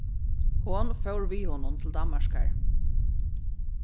hon fór við honum til danmarkar